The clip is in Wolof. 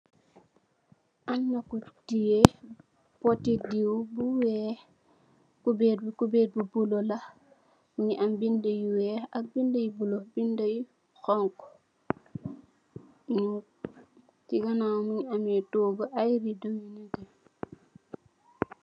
Amna ku té poti diw bi weeh, cubèr bi cubèr bu bulo la, mungi am bindi yu weeh ak bindi yu bulo, binda yi honku. Chi ganaaw mungi ameh toogu, ay riddo yu nètè.